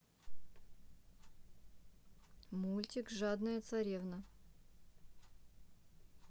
мультик жадная царевна